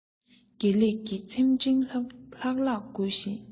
དགེ ལེགས ཀྱི ཚེམས ཕྲེང ལྷག ལྷག དགོད བཞིན